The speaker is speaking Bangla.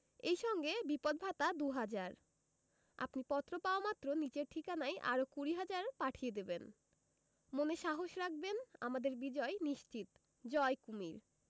এই সঙ্গে বিপদ ভাতা দু'হাজার আপনি পত্র পাওয়ামাত্র নিচের ঠিকানায় আরো কুড়ি হাজার পাঠিয়ে দেবেন | মনে সাহস রাখবেন আমাদের বিজয় নিশ্চিত জয় কুমীর